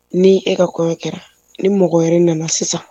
Ni e ka kɔɲɔ kɛra, ni mɔgɔ wɛrɛ nana sisan.